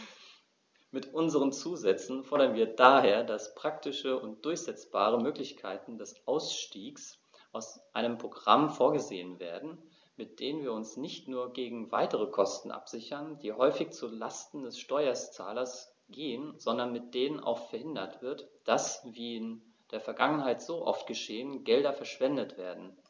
Mit unseren Zusätzen fordern wir daher, dass praktische und durchsetzbare Möglichkeiten des Ausstiegs aus einem Programm vorgesehen werden, mit denen wir uns nicht nur gegen weitere Kosten absichern, die häufig zu Lasten des Steuerzahlers gehen, sondern mit denen auch verhindert wird, dass, wie in der Vergangenheit so oft geschehen, Gelder verschwendet werden.